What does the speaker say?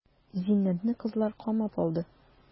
Зиннәтне кызлар камап алды.